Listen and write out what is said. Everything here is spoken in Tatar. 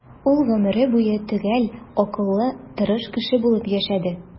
Ул гомере буе төгәл, акыллы, тырыш кеше булып яшәде.